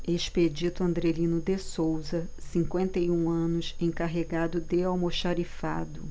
expedito andrelino de souza cinquenta e um anos encarregado de almoxarifado